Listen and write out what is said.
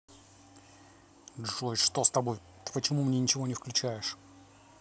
джой что с тобой ты почему мне ничего не включаешь